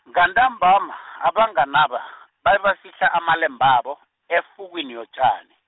ngantambama , abanganaba , babe bafihla amalembabo, ef- -fukwini yotjani.